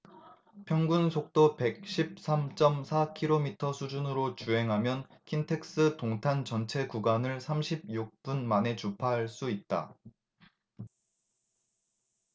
평균속도 백 십 삼 쩜 사 키로미터 수준으로 주행하면 킨텍스 동탄 전체 구간을 삼십 육 분 만에 주파할 수 있다